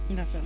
d' accord